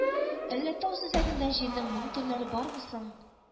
Әллә тау сөзәгендә җирнең моң телләре бармы соң